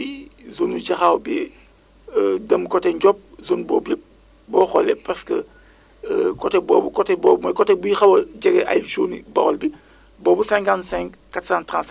waaw ak tamit souvent tamit léeg-léeg béykat léegi nañ la woo laaj la donc nga jox leen information mais bii ma la wax nii réseaux sociaux yi ñoo gën a efficace parce que yow li nga mën a envoyer ci alerte ci partager information ANACIM yi